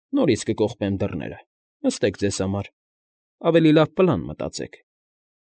Նորից կկողպեմ դռները, նստեք ձեզ համար, ավելի լավ պլան մտածեք։